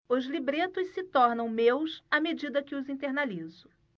os libretos se tornam meus à medida que os internalizo